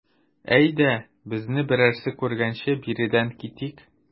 Әйдә, безне берәрсе күргәнче биредән китик.